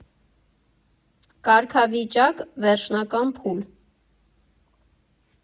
Կարգավիճակ՝ Վերջնական փուլ։